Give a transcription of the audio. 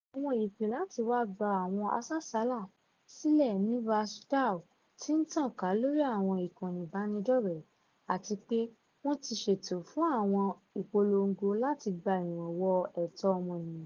Àwọn ìpè láti wá gba àwọn asásàálà sílẹ̀ ní Ras Jdir ti ń tàn ká lórí àwọn ìkànnì ìbánidọ́rẹ̀ẹ́, àti pé wọ́n ti ṣètò fún àwọn ìpolongo láti gba ìrànwọ́ ẹ̀tọ́ ọmọnìyàn.